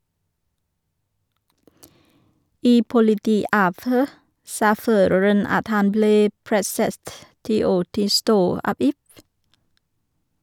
I politiavhør sa føreren at han ble presset til å tilstå av If.